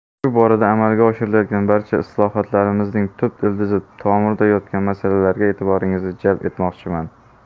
shu borada amalga oshirayotgan barcha islohotlarimizning tub ildizi tomirida yotgan masalalarga e'tiboringizni jalb etmoqchiman